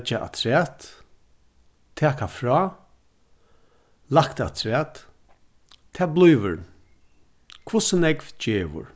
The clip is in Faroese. leggja afturat taka frá lagt afturat tað blívur hvussu nógv gevur